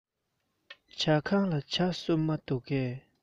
ཟ ཁང ལ ཇ སྲུབས མ འདུག གས